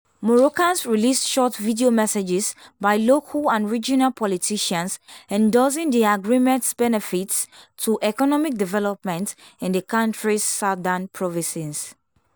Moroccans released short video messages by local and regional politicians endorsing the agreement’s benefits to economic development in the country’s “southern provinces.”